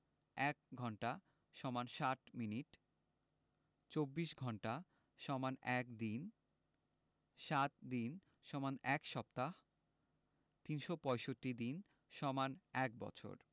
১ঘন্টা = ৬০ মিনিট ২৪ ঘন্টা = ১ দিন ৭ দিন = ১ সপ্তাহ ৩৬৫ দিন = ১বছর